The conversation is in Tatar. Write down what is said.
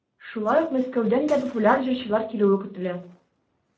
Шулай ук Мәскәүдән дә популяр җырчылар килүе көтелә.